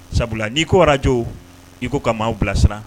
Sabula n'i ko araj i ko ka maaw bilasira